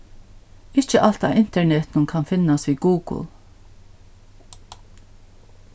ikki alt á internetinum kann finnast við google